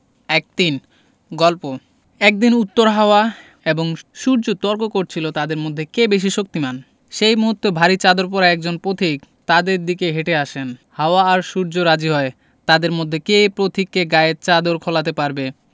১৩ গল্প একদিন উত্তর হাওয়া এবং সূর্য তর্ক করছিল তাদের মধ্যে কে বেশি শক্তিমান সেই মুহূর্তে ভারি চাদর পরা একজন পথিক তাদের দিকে হেটে আসেন হাওয়া আর সূর্য রাজি হয় তাদের মধ্যে কে পথিককে গায়ের চাদর খোলাতে পারবে